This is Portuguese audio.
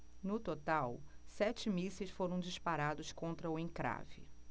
no total sete mísseis foram disparados contra o encrave